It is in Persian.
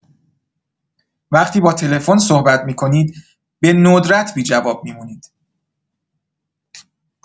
وقتی با تلفن صحبت می‌کنید به‌ندرت بی‌جواب می‌مونید.